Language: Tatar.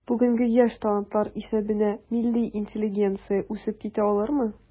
Бүгенге яшь талантлар исәбенә милли интеллигенция үсеп китә алырмы?